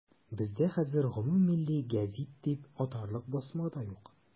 Бездә хәзер гомуммилли гәҗит дип атарлык басма да юк.